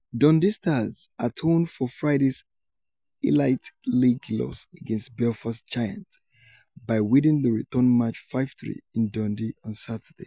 Dundee Stars atoned for Friday's Elite League loss against Belfast Giants by winning the return match 5-3 in Dundee on Saturday.